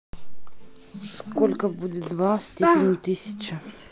сколько будет два в степени тысяча